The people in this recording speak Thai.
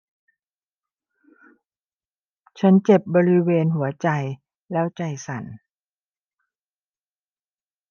ฉันเจ็บบริเวณหัวใจแล้วใจสั่น